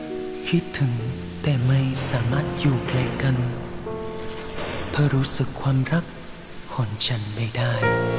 nhớ nhưng chẳng thể ở bên you cannot feel my love